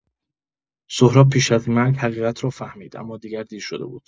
سهراب پیش از مرگ حقیقت را فهمید اما دیگر دیر شده بود.